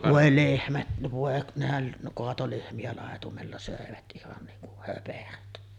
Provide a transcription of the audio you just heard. voi lehmät voi nehän kaatoi lehmiä laitumella söivät ihan niin kuin höperöt